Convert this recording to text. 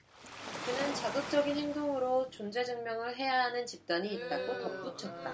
그는 자극적인 행동으로 존재증명을 해야 하는 집단이 있다고 덧붙였다